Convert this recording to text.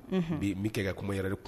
Unhun bi mi kɛ ka kuma yɛrɛ kun